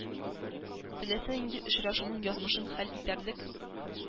Теләсә нинди очрашуның язмышын хәл итәрлек,